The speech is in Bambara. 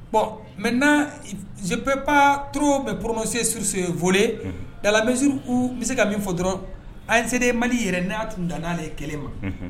Bɔn mɛ n zep tro mɛ poromasen suruurso fɔlen gauru bɛ se ka min fɔ dɔrɔn an selen mali yɛrɛ n' ya tun dan n'ale ye kelen ma